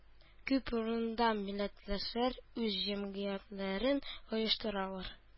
Күп урында милләттәшләр үз җәмгыятьләрен оештыралар